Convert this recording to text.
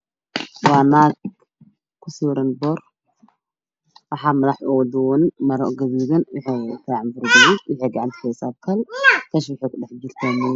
Waana naag ku sawiran boor madaxa ku qabtaa Qamar gadoodin waxay gacanta ku qabtaa saacad yaa la midooday